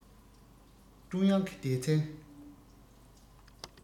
ཀྲུང དབྱང གི སྡེ ཚན